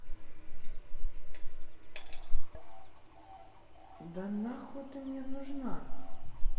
да нахуй мне ты нужна